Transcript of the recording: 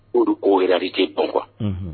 O ko yɛrɛ de tɛ bɔn kuwa